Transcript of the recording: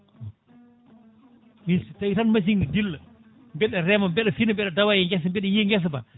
mi so tawi tan machine ne dilla beeɗa reema beeɗa fiina mbiɗa dawa e guesa mbiɗa yiiya guesa ba